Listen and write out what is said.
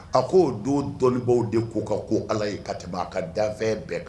A ko o don dɔnnibaaw de ko kan go Ala ye ka tɛmɛ a ka danfɛn bɛɛ kan.